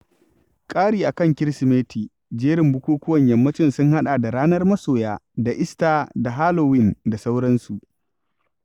ƙari a kan Kirsimeti, jerin bukukuwan Yammacin sun haɗa da ranar Masoya da Ista da Halowin, da sauransu.